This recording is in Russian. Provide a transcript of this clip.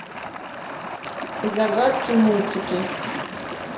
загадки мультики